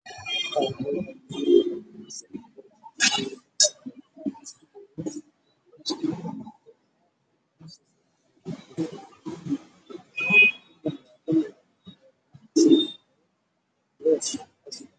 Waa guri geed cagaaran ayaa ka baxaya